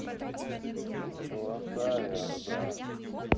золотая орда